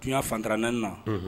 Ku fantan naani na